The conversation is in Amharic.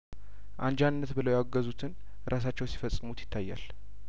አንጃነት ብለው ያወገዙትን እራሳቸው ሲፈጽሙት ይታያል